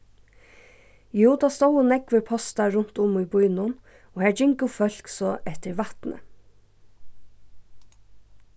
jú tað stóðu nógvir postar runt um í býnum og har gingu fólk so eftir vatni